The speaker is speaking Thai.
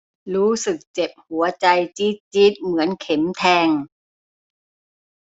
รู้สึกเจ็บหัวใจจี๊ดจี๊ดเหมือนเข็มแทง